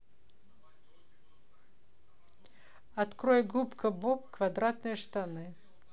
открой губка боб квадратные штаны